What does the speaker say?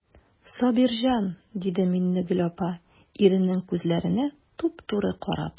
Сабирҗан,– диде Миннегөл апа, иренең күзләренә туп-туры карап.